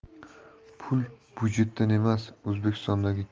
pul budjetdan emas o'zbekistondagi